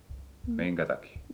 minkä takia